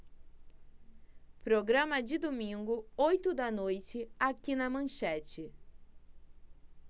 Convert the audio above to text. programa de domingo oito da noite aqui na manchete